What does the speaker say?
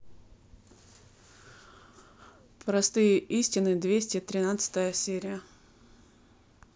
простые истины двести тринадцатая серия